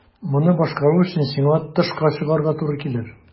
Моны башкару өчен сиңа тышка чыгарга туры килер.